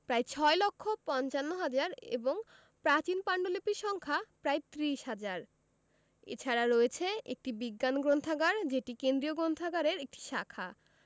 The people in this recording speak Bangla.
প্রায় ৬ লক্ষ ৫০ হাজার এবং প্রাচীন পান্ডুলিপির সংখ্যা প্রায় ত্রিশ হাজার এছাড়া রয়েছে একটি বিজ্ঞান গ্রন্থাগার যেটি কেন্দ্রীয় গ্রন্থাগারের একটি শাখা